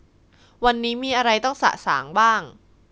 วันนี้มีอะไรต้องสะสางบ้าง